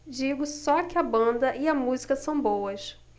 digo só que a banda e a música são boas